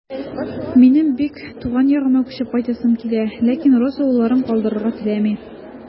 Минем бик туган ягыма күчеп кайтасым килә, ләкин Роза улларын калдырырга теләми.